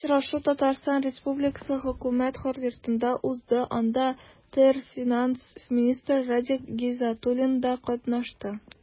Очрашу Татарстан Республикасы Хөкүмәт Йортында узды, анда ТР финанс министры Радик Гайзатуллин да катнашты.